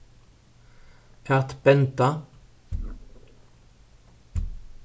at benda